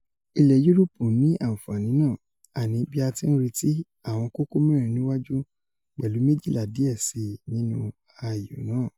Ilẹ̀ Yuroopu ní àǹfààní náà, àní bí a ti ńretí, àwọn kókó mẹ́rin níwájú pẹ̀lú méjìlà díẹ̀ síi nínú ayò náà.